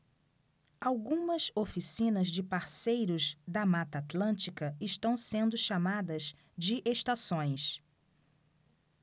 algumas oficinas de parceiros da mata atlântica estão sendo chamadas de estações